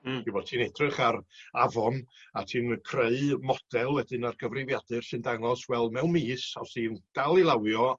Hmm. Ti wbo' ti'n edrych ar afon a ti'n creu model wedyn ar gyfrifiadur sy'n dangos wel mewn mis os yw dal i lawio